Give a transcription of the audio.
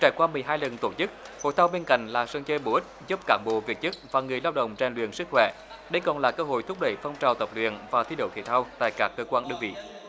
trải qua mười hai lần tổ chức hội thao bên cạnh là sân chơi bổ ích giúp cán bộ viên chức và người lao động rèn luyện sức khỏe đây còn là cơ hội thúc đẩy phong trào tập luyện và thi đấu thể thao tại các cơ quan đơn vị